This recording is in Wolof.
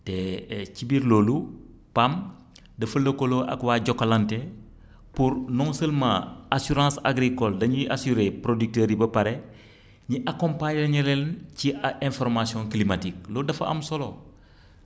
te ci biir loolu PAM dafa lëkkaloo ak waa Jokalante pour non seulement assurance agricole dañuy assuré producteurs yi ba pare ñu accompagné leen ci a information climatique loolu dafa am solo